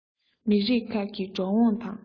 མི རིགས ཁག གི འགྲོ འོང དང